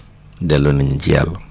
delloo nit ñi ci yàlla